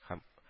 Һәм